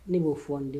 Ne b'ɔ fɔ n den